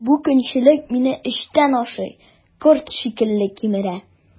Бу көнчелек мине эчтән ашый, корт шикелле кимерә.